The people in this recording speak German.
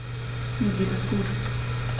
Mir geht es gut.